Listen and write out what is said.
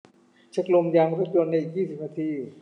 เช็คลมยางรถยนต์ในอีกยี่สิบนาที